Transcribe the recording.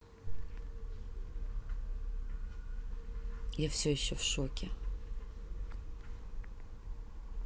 я все еще в шоке